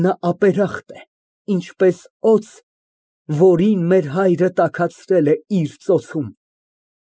Նա ապերախտ է, ինչպես օձ, որին մեր հայրը տաքացրել է իր ծոցում։